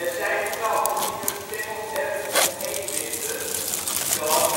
zijn planten die hun stengels ergens omheen winden, zoals